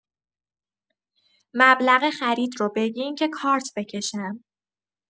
مبلغ خرید رو بگین که کارت بکشم.